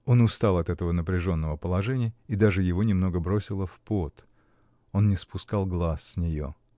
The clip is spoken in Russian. Он устал от этого напряженного положения, и даже его немного бросило в пот. Он не спускал глаз с нее.